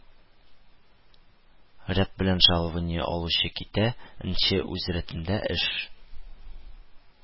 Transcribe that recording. Ряд белән жалованье алучы китә, нче үз рәтендә «эш»